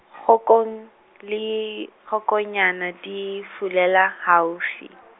Kgokong, le kgokonyane di fulela haufi .